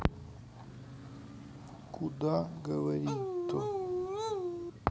куда говорить то